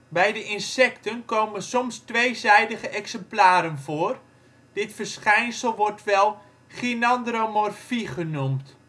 Bij de insecten komen soms tweezijdige exemplaren voor, dit verschijnsel wordt wel gynandromorfie genoemd